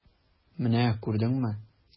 Менә күрдеңме!